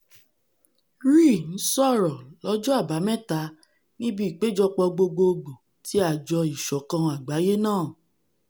Ri ńsọ̀rọ̀ lọ́jọ́ Àbámẹ́ta níbi Ìpéjọpọ̀ Gbogbogbòò ti Àjọ Ìṣọ̀kan Àgbáyé náà.